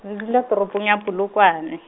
dula toropong ya Polokwane.